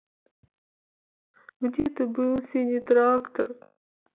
где ты был синий трактор